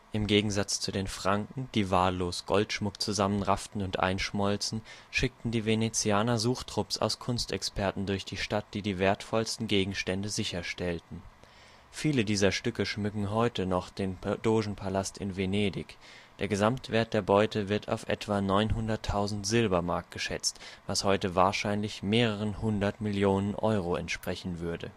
Im Gegensatz zu den Franken, die wahllos Goldschmuck zusammenrafften und einschmolzen, schickten die Venezianer Suchtrupps aus Kunstexperten durch die Stadt, die die wertvollsten Gegenstände sicherstellten. Viele dieser Stücke schmücken noch heute den Dogenpalast in Venedig. Der Gesamtwert der Beute wird auf etwa 900.000 Silbermark geschätzt, was heute wahrscheinlich mehreren hundert Millionen Euro entsprechen würde